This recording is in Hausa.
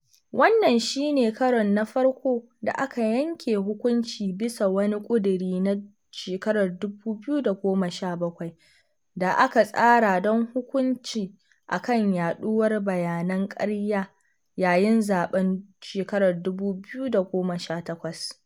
Wannan shi ne karon na farko da aka yanke hukunci bisa wani ƙudiri na 2017 da aka tsara don hukunci akan yaɗuwar bayanan ƙarya yayin zaɓen 2018.